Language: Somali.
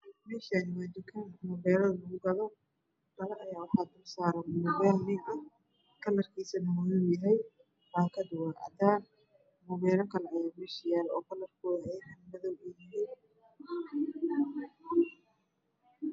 Meshan wa dadukaan mopeelo lagu gado dhaala ayaa dulsaran mopeel kalarkiisna madow yahay paakada wa cadaan mopeela kala ayaa mehsa yaalo oo kalarkoodu madow u yahay